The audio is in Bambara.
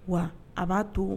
Wa a b'a to